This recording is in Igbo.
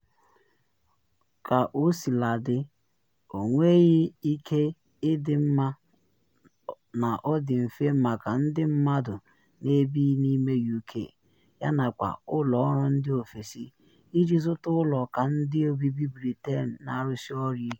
Kaosiladị, ọ nweghị ike ịdị mma na ọ dị mfe maka ndị mmadụ na ebighi n’ime UK, yanakwa ụlọ ọrụ ndị ofesi, iji zụta ụlọ ka ndị obibi Britain na arụsị ọrụ ike.